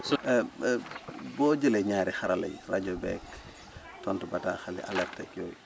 su boo jëlee ñaari xarala yi rajo beeg tontu battaaxal yi alerte yeeg yooyu